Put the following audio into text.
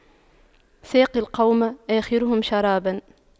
ساقي القوم آخرهم شراباً